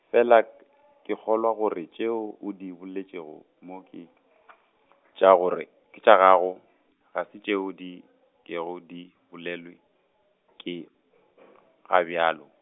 fela, ke kgolwa gore tšeo o di boletšego mo ke , tša gore, ke tša gago, ga se tšeo di, kego di, bolelwe, ke, Goblalo.